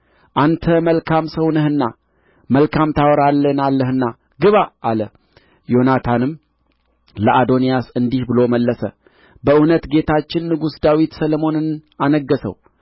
አንተ መልካም ሰው ነህና መልካም ታወራልናለህና ግባ አለ ዮናታንም ለአዶንያስ እንዲህ ብሎ መለሰ በእውነት ጌታችን ንጉሥ ዳዊት ሰሎሞንን አነገሠው